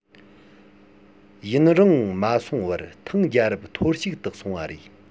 ཡུན རིང མ སོང བར ཐང རྒྱལ རབས ཐོར ཞིག ཏུ སོང བ རེད